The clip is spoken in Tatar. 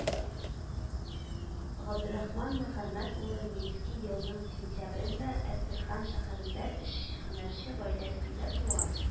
Габдрахман Мөхәммәт улы Минский елның сентябрендә Әстерхан шәһәрендә эшче-һөнәрче гаиләсендә туа